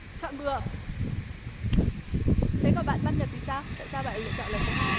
chọn bừa thế còn bạn văn nhật thì sao tại sao lại lựa chọn là số hai